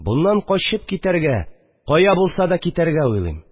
Буннан качып китәргә, кая булса да китәргә уйлыйм